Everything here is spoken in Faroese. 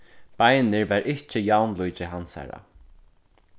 beinir var ikki javnlíki hansara